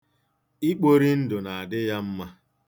Ikpori ndụ na-adị ya mma.